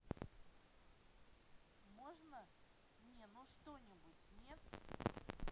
можно мне ну что нибудь нет